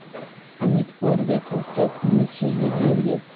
umid o'rga tortar umidsizlik go'rga